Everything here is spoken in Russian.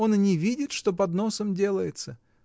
он и не видит, что под носом делается.